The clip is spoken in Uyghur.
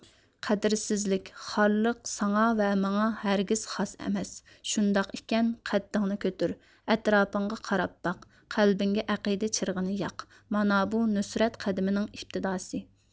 قەدىرسىزلىك خارلىق ساڭا ۋە ماڭا ھەرگىز خاس ئەمەس شۇنداق ئىكەن قەددىڭنى كۆتۈر ئەتراپىڭغا قاراپ باق قەلبىڭگە ئەقىدە چىرىغىنى ياق مانا بۇ نۇسرەت قەدىمىنىڭ ئىپتىداسى غالىپ ۋە مەنىلىك ھاياتنىڭ بىسمىللاسى